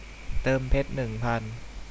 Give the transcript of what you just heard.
เติมเพชรหนึ่งพัน